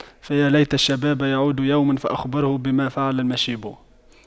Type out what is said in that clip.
فيا ليت الشباب يعود يوما فأخبره بما فعل المشيب